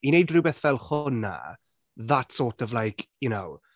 I wneud rhywbeth fel hwnna, that’s sort of like, you know.